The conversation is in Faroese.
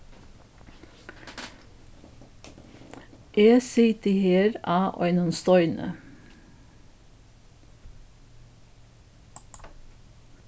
eg siti her á einum steini